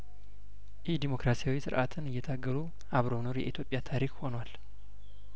ኢዲሞክራሲያዊ ስርአትን እየታገሉ አብሮ መኖር የኢትዮጵያ ታሪክ ሆኗል